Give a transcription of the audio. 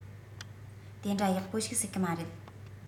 དེ འདྲ ཡག པོ ཞིག སྲིད གི མ རེད